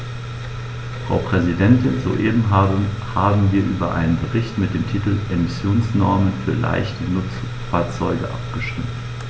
Frau Präsidentin, soeben haben wir über einen Bericht mit dem Titel "Emissionsnormen für leichte Nutzfahrzeuge" abgestimmt.